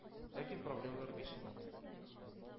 Ләкин проблемалар бихисап.